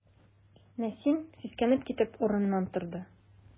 Нәсим, сискәнеп китеп, урыныннан торды.